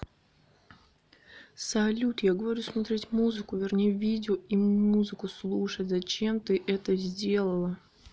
салют я говорю смотреть музыку вернее видео и музыку слушать зачем ты это сделала